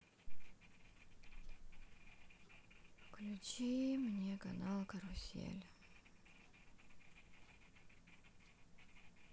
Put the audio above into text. включи мне канал карусель